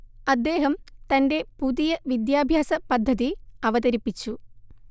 അദ്ദേഹം തന്റെ പുതിയ വിദ്യാഭ്യാസപദ്ധതി അവതരിപ്പിച്ചു